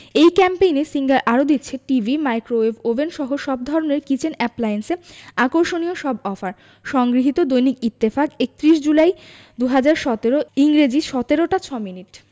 এই ক্যাম্পেইনে সিঙ্গার আরো দিচ্ছে টিভি মাইক্রোওয়েভ ওভেনসহ সব ধরনের কিচেন অ্যাপ্লায়েন্সে আকর্ষণীয় সব অফার সংগৃহীত দৈনিক ইত্তেফাক ৩১ জুলাই ২০১৭ ইংরেজি ১৭ টা ৬ মিনিট